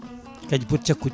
kanƴi pooti cakkudi